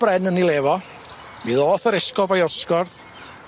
bren yn ei le fo mi ddoth yr esgob o'i osgordd.